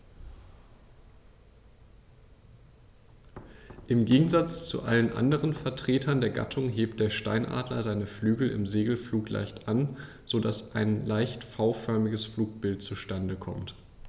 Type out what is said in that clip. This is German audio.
Im Gegensatz zu allen anderen Vertretern der Gattung hebt der Steinadler seine Flügel im Segelflug leicht an, so dass ein leicht V-förmiges Flugbild zustande kommt.